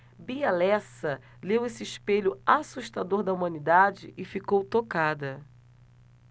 bia lessa leu esse espelho assustador da humanidade e ficou tocada